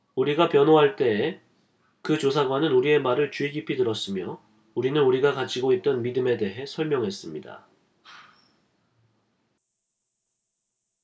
우리가 변호할 때에 그 조사관은 우리의 말을 주의 깊이 들었으며 우리는 우리가 가지고 있던 믿음에 대해 설명했습니다